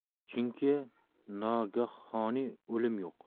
chunki nogahoniy o'lim yo'q